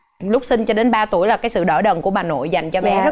lúc sinh cho đến ba tuổi là cái sự đỡ đần của bà nội dành cho bé rất là